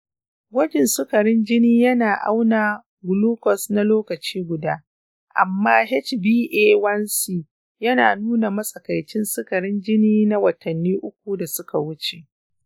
gwajin sukarin jini yana auna glucose na lokaci guda, amma hba1c yana nuna matsakaicin sukarin jini na watanni uku da suka wuce.